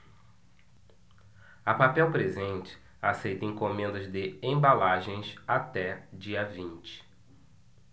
a papel presente aceita encomendas de embalagens até dia vinte